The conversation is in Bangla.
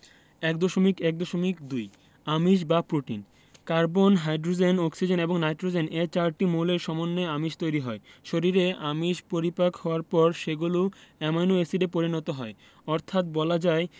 ১.১.২ আমিষ বা প্রোটিন কার্বন হাইড্রোজেন অক্সিজেন এবং নাইট্রোজেন এ চারটি মৌলের সমন্বয়ে আমিষ তৈরি হয় শরীরে আমিষ পরিপাক হওয়ার পর সেগুলো অ্যামাইনো এসিডে পরিণত হয় অর্থাৎ বলা যায়